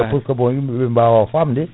e pour que bon yimɓeɓe ɓe bawa famde